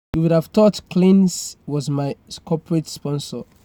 "You'd have thought Kleenex was my corporate sponsor.